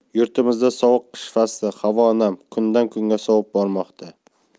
yurtimizda sovuq qish fasli havo ham kundan kunga sovib bormoqda